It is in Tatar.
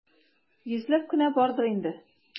Йөзләп кенә бардыр инде.